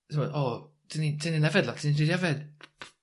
t'mo' o 'dyn ni 'dyn ni'n yfed lot 'dyn ni 'di yfed p- p-